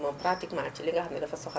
moom pratiquement si li nga xam ne dafa soxal